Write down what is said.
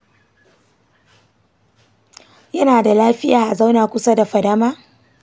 yana da lafiya a zauna kusa da fadama?